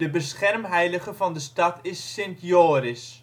beschermheilige van de stad is Sint Joris